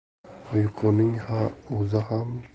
uyquning ozi ham